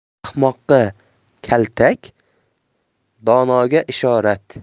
ahmoqqa kaltak donoga ishorat